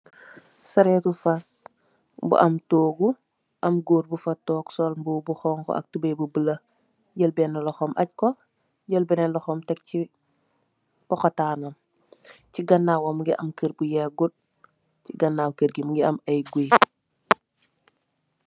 Sareti fass bu am togu, am goor bu tok sol mboba bu xonxo ak tubey bu bulo, jël benna loxo bi ach ko jël benen loxo bi daf ko si pokotan bi, ci ganawam mungi am keur bu yegut, ci gannaaw keur bi mungi am ay gouye.